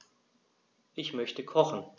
Ich möchte kochen.